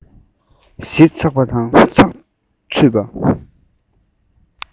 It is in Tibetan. ཞིབ ཚགས པ དང ཚགས ཚུད པ